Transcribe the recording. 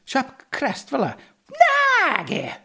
Siap crest fel 'na. Nage!